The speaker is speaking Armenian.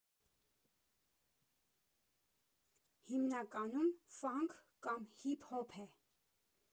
Հիմնականում ֆանք կամ հիփ֊հոփ է։